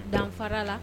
Danfarala